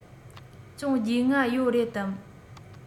ཅུང རྒྱུས མངའ ཡོད རེད ནམ